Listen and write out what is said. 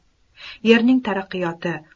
yerning taraqqiyoti